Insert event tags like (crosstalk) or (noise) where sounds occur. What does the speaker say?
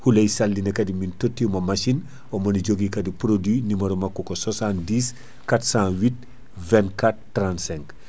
Houleye Sally ne kadi min tottimo machine (breath) omoni joogui kadi produit numéro makko ko 70 408 24 35